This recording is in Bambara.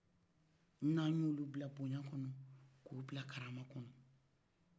n'a y'o lu bila bɔɲan kɔnɔ kɔ karama kɔnɔ